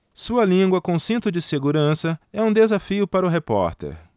sua língua com cinto de segurança é um desafio para o repórter